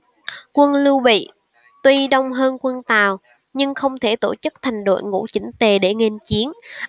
quân lưu bị tuy đông hơn quân tào nhưng không thể tổ chức thành đội ngũ chỉnh tề để nghênh chiến